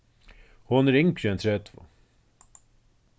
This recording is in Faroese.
hon er yngri enn tretivu